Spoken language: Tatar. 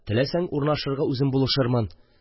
Теләсәң, урнашырга үзем булышырмын.